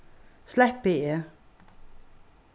sleppi eg